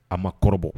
A ma kɔrɔbɔ